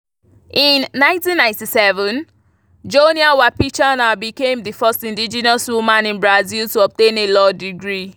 In 1997, Joenia Wapichana became the first indigenous woman in Brazil to obtain a law degree.